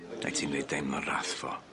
Neu ti myn' i deimlo wrath fo.